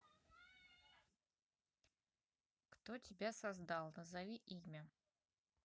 кто тебя создал назови имя